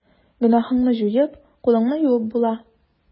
Гөнаһыңны җуеп, кулыңны юып була.